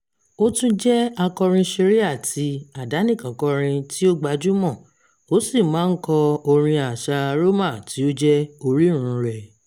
Ó tún jẹ́ akọrin-ṣeré àti àdánìkànkọrin tí ó gbajúmọ̀, ó sì máa ń kọ orin àṣà Roma tí ó jẹ́ orírun rẹ̀.